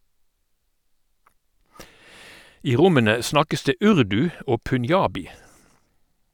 I rommene snakkes det urdu og punjabi.